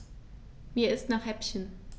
Mir ist nach Häppchen.